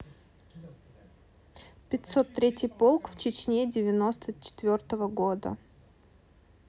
пятьсот третий полк в чечне девяносто четвертого года